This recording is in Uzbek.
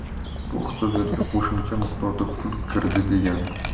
bu iqtisodiyotga qo'shimcha miqdorda pul kirdi degani